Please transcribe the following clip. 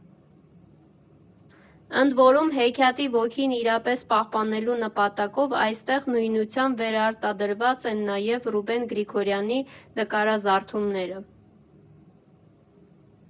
Ընդ որում, հեքիաթի ոգին իրապես պահպանելու նպատակով այստեղ նույնությամբ վերարտադրված են նաև Ռուբեն Գրիգորյանի նկարազարդումները։